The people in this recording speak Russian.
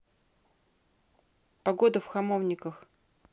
погода в хамовниках